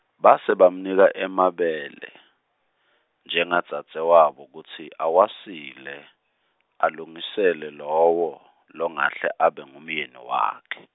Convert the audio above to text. base bamnika emabele , njengadzadzewabo kutsi awasile , alungisele lowo, longahle abe ngumyeni wakhe.